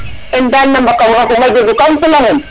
ten dal a jegu kam xulangum